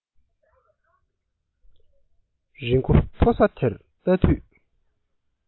རི མགོ མཐོ ས དེར ལྟ དུས